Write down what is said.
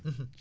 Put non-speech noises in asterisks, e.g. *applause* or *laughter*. *hesitation* *hesitation*